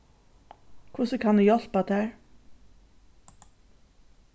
hvussu kann eg hjálpa tær